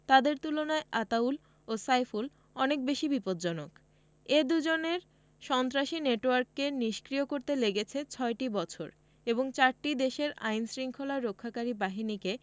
তাদের তুলনায় আতাউল ও সাইফুল অনেক বেশি বিপজ্জনক এই দুজনের সন্ত্রাসী নেটওয়ার্ককে নিষ্ক্রিয় করতে লেগেছে ছয়টি বছর এবং চারটি দেশের আইনশৃঙ্খলা রক্ষাকারী বাহিনীকে